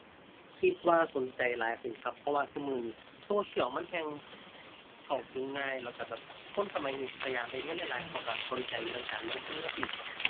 คิดว่าสนใจหลายขึ้นครับ เพราะว่าซุมื้อนี้โซเชียลมันแฮ่งเข้าถึงง่าย แล้วก็แบบคนสมัยนี้ก็อยากได้เงินหลายหลาย เขาก็สนใจเรื่องการลงทุนจั่งซี้ครับ